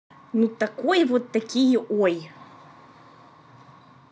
ты такой вот такие ой